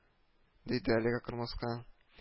- диде әлеге кырмыска